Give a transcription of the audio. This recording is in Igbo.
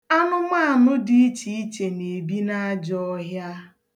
Anụmaanụ dị iche iche na-ebi n'ajọọhịa.